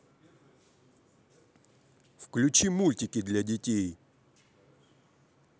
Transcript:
включи мультики для детей